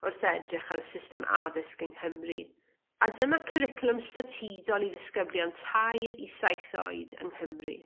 Wrth edrych ar y system addysg yng Nghymru, a dyma cwricwlwm statudol i ddisgyblion tair i saith oed yng Nghymru.